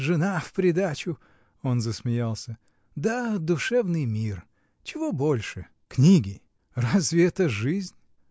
жена впридачу, — он засмеялся, — да душевный мир. Чего больше? — Книги! Разве это жизнь?